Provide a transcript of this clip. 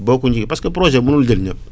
bokkuñ fi parce que projet munul jël ñëpp